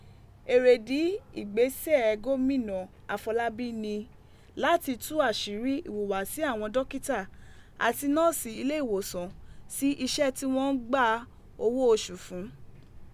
Eredi igbesẹ gomina Afọlábí ni lati tu aṣiri ihuwasi awọn dokita ati nọọsi ileewosan si iṣẹ ti wọn n gba owo oṣu fun.